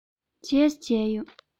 རྗེས སུ མཇལ ཡོང